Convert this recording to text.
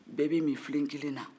bɛɛ b'i min filen kelen na